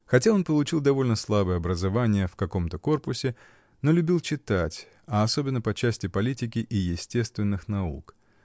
Хотя он получил довольно слабое образование в каком-то корпусе, но любил читать, а особенно по части политики и естественных наук.